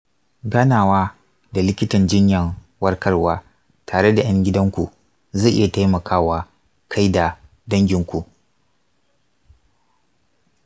ganawa da likitan jinyan warkarwa tare da 'yan gidan ku zai iya taimaka wa kai da danginku.